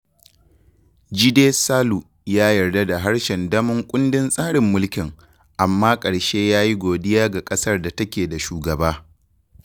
Jide Salu ya yarda da harshen damon kundin tsarin mulkin, amma ƙarshe ya yi godiya da ƙasar da take da shugaba.